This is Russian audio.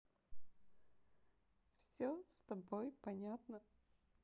все с тобой понятно